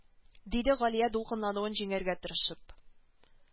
Диде галия дулкынлануын җиңәргә тырышып